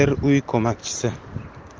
er uy ko'makchisi